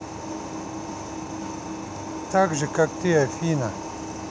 такие же как ты афина